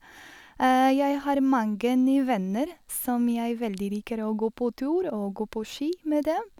Jeg har mange ny venner som jeg veldig liker å gå på tur og gå på ski med dem.